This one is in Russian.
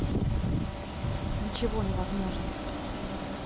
ничего невозможно